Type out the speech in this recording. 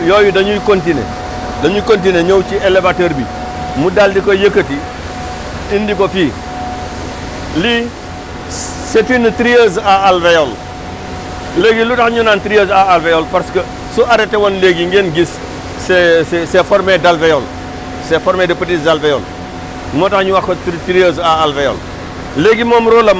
yooyu yooyu dañuy continué dañuy continué ñëw ci élevateur bi mu daal di koy yëkkati indi ko fii lii c' est une trilleuse à alvéole léegi lu tax ñu naan trilleuse à alvéole parce que su arrêté woon léegi ngeen gis c' est c' est formé d' alvéole c' est formé de petits alvéole moo tax ñu wax une trilleuse à alvéole